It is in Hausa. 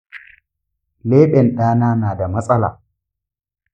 leɓen ɗana na da matsala.